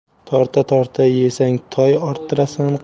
torta torta yesang toy orttirasan